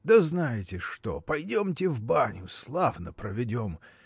Да знаете что: пойдемте в баню, славно проведем!